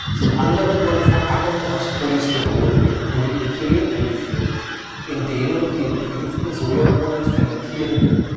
Zum anderen wurden Verpackungen aus Polystyrol und Polyethylen eingeführt, in denen die beimpften Sojabohnen fermentieren können